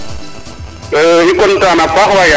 i content na a paax way yal mbin